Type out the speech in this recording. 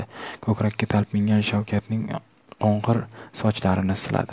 ko'krakka talpingan shavkatning qo'ng'ir sochlarini siladi